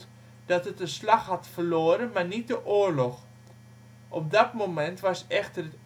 verloren, maar niet de oorlog. Op dat moment was echter